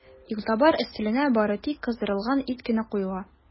Илтабар өстәленә бары тик кыздырылган ит кенә куела.